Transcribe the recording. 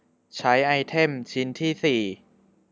ใช้ไอเทมชิ้นที่สี่